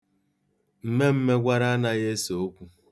Mme mmegwara anaghị ese okwu.